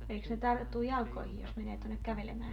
eikös ne tartu jalkoihin jos menee tuonne kävelemään